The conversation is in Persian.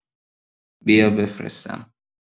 بیا بفرستم